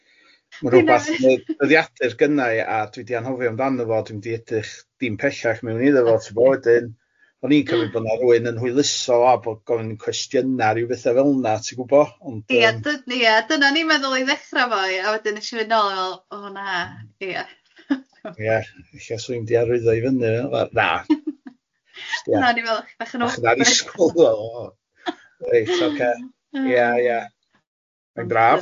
Ma' rywbeth ma' dyddiadur gynnai a dwi di anhofio amdano fo, dwi'm mynd i edrych dim pellach mewn iddo fo tibod, wedyn o'n i'n cymyd bod yna rwun yn hwyluso a bod gofyn cwestiyna ryw bethe felna ti'n gwybo, ond yym ...Ia ia dyna o'n i'n meddwl i ddechra fo ia, a wedyn nes i fynd nôl, o na ia ...Ia ella sw ni'm di arwyddo iddo fo na ...Na o'n i'n meddwl bach yn awkward... Bach i ddisgwl reit ocê ia ia mae'n braf.